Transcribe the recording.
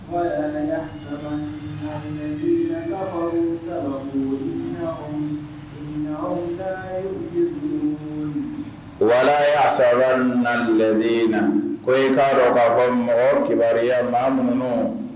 Wa saba wala saba le na ko ba fɔ mɔgɔ kiba ma mununu